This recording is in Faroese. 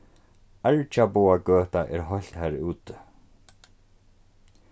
argjaboðagøta er heilt har úti